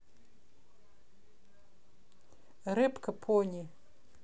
рыбка пони